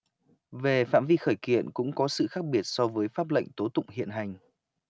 về phạm vi khởi kiện cũng có sự khác biệt so với pháp lệnh tố tụng hiện hành